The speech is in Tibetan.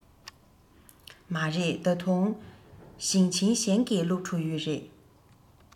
མ རེད ད དུང ཞིང ཆེན གཞན གྱི སློབ ཕྲུག ཡོད རེད